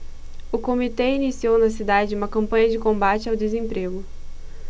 o comitê iniciou na cidade uma campanha de combate ao desemprego